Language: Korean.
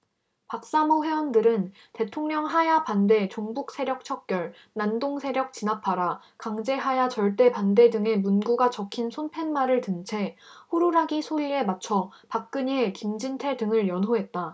박사모 회원들은 대통령하야 반대 종북세력 척결 난동세력 진압하라 강제하야 절대반대 등의 문구가 적힌 손팻말을 든 채 호루라기 소리에 맞춰 박근혜 김진태 등을 연호했다